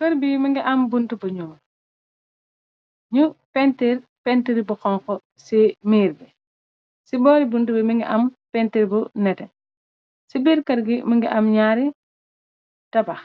Kërr bi mi ngi am buntu bu ñyul pentir pentir bu xonku ci miir bi ci boori buntu bi mi ngi am pentir bu neté ci biir kër gi mi ngi am ñaari tabax